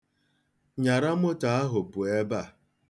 Nyara moto ahụ pụọ ebe a!